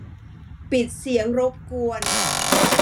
ปิดเสียงรบกวน